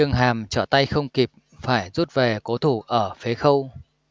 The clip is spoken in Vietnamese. hàm trở tay không kịp phải rút về cố thủ ở phế khâu